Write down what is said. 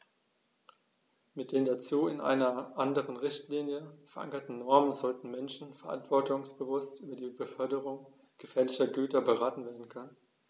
Mit den dazu in einer anderen Richtlinie, verankerten Normen sollten Menschen verantwortungsbewusst über die Beförderung gefährlicher Güter beraten werden können.